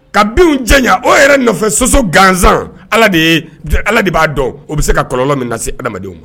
Ka denw jɛ o yɛrɛ nɔfɛ sososɔ gansan ala de ala de b'a dɔn o bɛ se ka kɔlɔlɔnlɔ min na se adamadamadenw kan